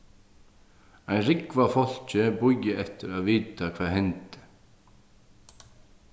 ein rúgva av fólki bíða eftir at vita hvat hendi